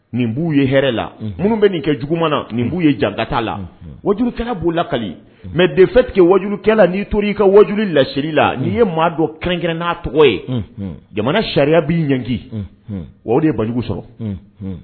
Nin b'u ye hɛrɛ la minnu bɛ nin kɛ juguman na nin b'u ye jakata la woduurukɛla b'o lakali mɛ defe tigɛ wajukɛla n'i to i ka wajuuru lasli la ni'i ye maa dɔn kɛrɛnkɛrɛn n'a tɔgɔ ye jamana sariya b'i ɲg o de ye bajugu sɔrɔ